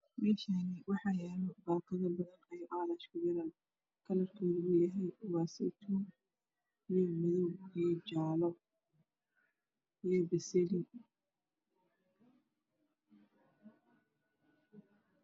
Meshani waxayalo bakado badan eey alsha kujiran kalarkode ysha waa seytuun io madow io jale io beseli